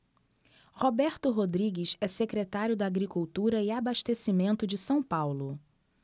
roberto rodrigues é secretário da agricultura e abastecimento de são paulo